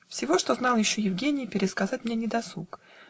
Всего, что знал еще Евгений, Пересказать мне недосуг